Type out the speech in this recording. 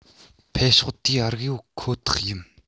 འཕེལ ཕྱོགས དེ རིགས ཡོད ཁོ ཐག ཡིན